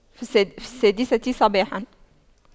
في في السادسة صباحا